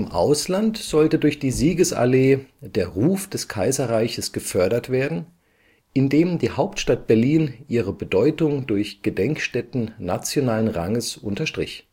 Ausland sollte durch die Siegesallee der Ruf des Kaiserreiches gefördert werden, indem die Hauptstadt Berlin ihre Bedeutung durch Gedenkstätten nationalen Ranges unterstrich